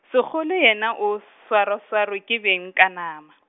Sekgole yena o swarwaswerwe ke beng ka nama.